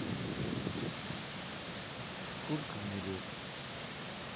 сколько мне лет